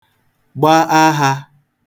gba ahā